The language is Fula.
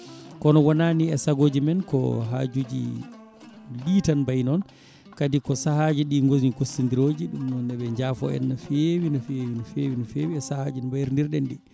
kono wonani e saagoji men ko ko hajuji ɗi tan mbayi noon kadi ko sahaji ɗi gooni gossodiriji ɗum noon eɓe jaafo en no fewi no fewi no fewi no fewi e saahaji ɗi bayrodirɗen ɗi